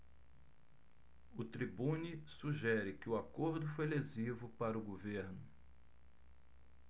o tribune sugere que o acordo foi lesivo para o governo